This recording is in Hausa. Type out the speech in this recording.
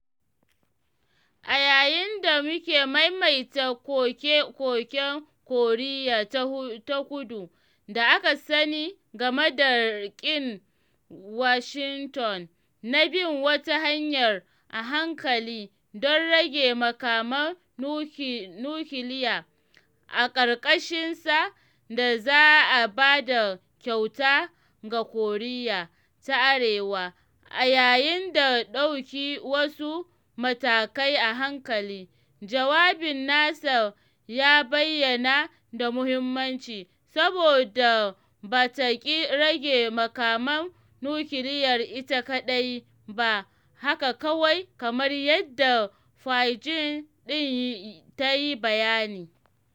A yayin da Rike same maimaita koke-koken Koriya ta Kudu da aka sani game da ƙin Washington na bin wata hanyar “a hankali” don rage makaman nukiliyat a ƙarƙashinsa da za a ba da kyauta ga Koriya ta Arewan a yayin da ɗauki wasu matakai a hankali, jawabin nasa ya bayyana da muhimmanci saboda ba ta ƙi rage makaman nukiliyar ita kaɗai ba haka kawai kamar yadda Pyongyang ɗin ta yi a baya ba.